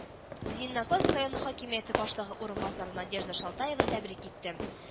Ениногорск районы хакимияте башлыгы урынбасары надежда шалдаева тәбрик итте